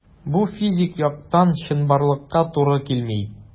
Бу физик яктан чынбарлыкка туры килми.